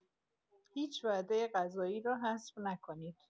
هیچ وعده غذایی را حذف نکنید.